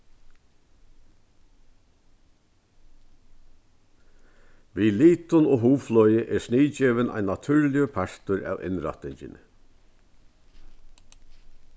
við litum og hugflogi er sniðgevin ein natúrligur partur av innrættingini